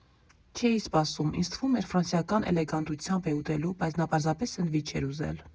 Չէի սպասում, ինձ թվում էր ֆրանսիական էլեգանտությամբ է ուտելու, բայց նա պարզապես սենդվիչ էր ուզում։